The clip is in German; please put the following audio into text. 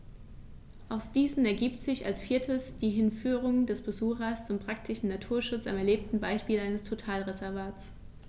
Aus diesen ergibt sich als viertes die Hinführung des Besuchers zum praktischen Naturschutz am erlebten Beispiel eines Totalreservats.